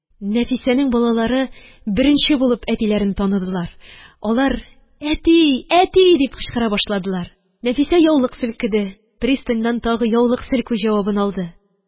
Нәфисәнең балалары беренче булып әтиләрен таныдылар, алар: – Әти! Әти! – дип кычкыра башладылар. Нәфисә яулык селкеде. Пристаньнан тагы яулык селкү җавабын алды.